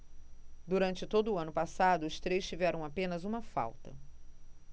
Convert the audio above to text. durante todo o ano passado os três tiveram apenas uma falta